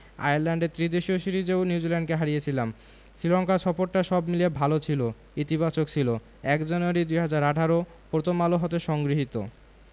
আয়ারল্যান্ডে ত্রিদেশীয় সিরিজেও নিউজিল্যান্ডকে হারিয়েছিলাম শ্রীলঙ্কা সফরটা সব মিলিয়ে ভালো ছিল ইতিবাচক ছিল ০১ জানুয়ারি ২০১৮ প্রথম আলো হতে সংগৃহীত